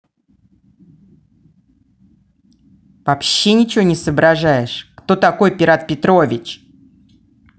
вообще ничего не соображаешь кто такой пират петрович